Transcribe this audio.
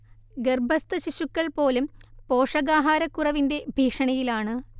ഗർഭസ്ഥ ശിശുക്കൾ പോലും പോഷകാഹാരക്കുറവിന്റെ ഭീഷണിയിലാണ്